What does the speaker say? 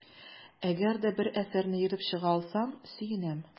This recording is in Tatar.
Әгәр дә бер әсәрне ерып чыга алсам, сөенәм.